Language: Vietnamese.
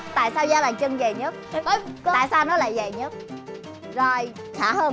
tại sao da bàn chân dày nhất tại sao nó lại dày nhất rồi khả hân